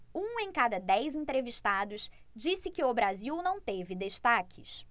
um em cada dez entrevistados disse que o brasil não teve destaques